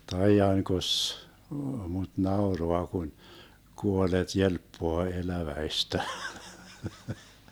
taidankos mutta nauraa kun kuolleet jelppaa eläväistä